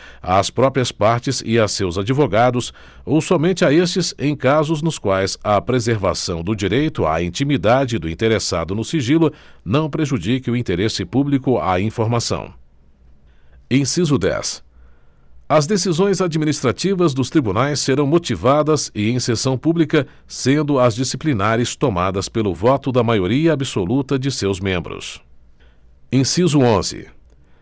às próprias partes e a seus advogados ou somente a estes em casos nos quais a preservação do direito à intimidade do interessado no sigilo não prejudique o interesse público à informação inciso dez as decisões administrativas dos tribunais serão motivadas e em sessão pública sendo as disciplinares tomadas pelo voto da maioria absoluta de seus membros inciso onze